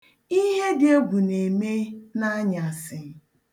Ihe dị egwu na-eme n'anyasị.